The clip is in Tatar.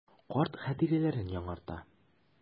Карт хатирәләрен яңарта.